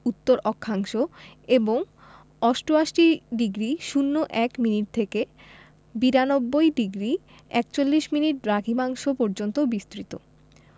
উত্তর অক্ষাংশ এবং ৮৮ ডিগ্রি ০১ মিনিট থেকে ৯২ ডিগ্রি ৪১মিনিট দ্রাঘিমাংশ পর্যন্ত বিস্তৃত